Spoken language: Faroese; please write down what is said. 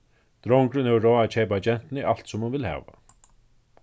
drongurin hevur ráð at keypa gentuni alt sum hon vil hava